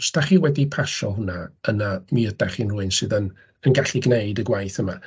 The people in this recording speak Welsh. Os dach chi wedi pasio hwnna, yna mi ydach chi'n rywun sy'n gallu gneud y gwaith yma.